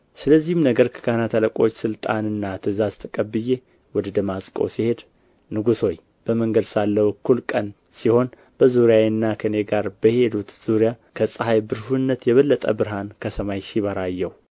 ስለዚህም ነገ ከካህናት አለቆች ሥልጣንና ትእዛዝ ተቀብዬ ወደ ደማስቆ ስሄድ ንጉሥ ሆይ በመንገድ ሳለሁ እኩል ቀን ሲሆን በዙሪያዬና ከእኔ ጋር በሄዱት ዙሪያ ከፀሐይ ብሩህነት የበለጠ ብርሃን ከሰማይ ሲበራ አየሁ